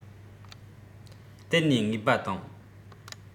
གཏད གནས ངེས པ དང